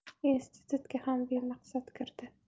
institutga ham bemaqsad kirdi